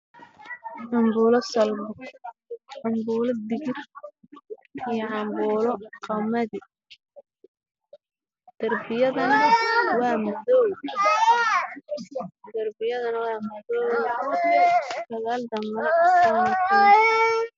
Waa digir midabkeedu yahay madow cadaan